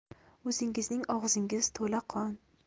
o'zingizning og'zingiz to'la qon